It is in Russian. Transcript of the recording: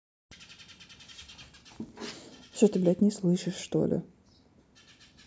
что ты блядь не слышишь что ли